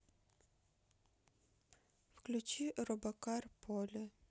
включи робокар поли